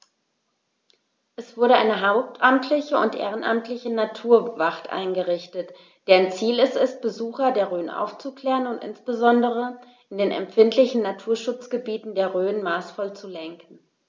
Es wurde eine hauptamtliche und ehrenamtliche Naturwacht eingerichtet, deren Ziel es ist, Besucher der Rhön aufzuklären und insbesondere in den empfindlichen Naturschutzgebieten der Rhön maßvoll zu lenken.